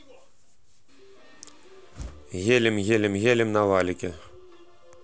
гелим гелим гелим на валике